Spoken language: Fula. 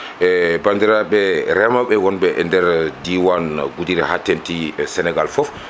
e bandirɓe reemoɓe wonɓe e nder diwan Goudiry ha tenkti e Sénégal foof